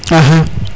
axa